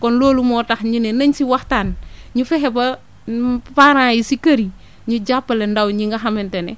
kon loolu moo tax ñu ne nañ si waxtaan ñu fexe ba parent yi si kër yi ñu jàppale ndaw ñi nga xamante ne